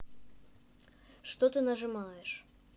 что ты нажимаешь